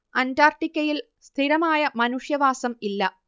അന്റാർട്ടിക്കയിൽ സ്ഥിരമായ മനുഷ്യവാസം ഇല്ല